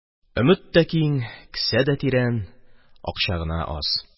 Өмет тә киң, кесә дә тирән, акча гына аз.